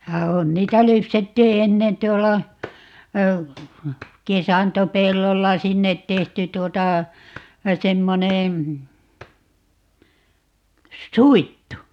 ja on niitä lypsettiin ennen tuolla kesantopellolla sinne tehty tuota semmoinen suittu